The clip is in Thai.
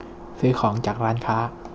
ซื้อของจากร้านค้า